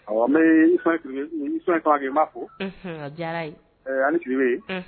awɔ n be Usumane Samake n ba fo. Unhun a diyara ye. Ɛɛ ani Sidibe . Unhun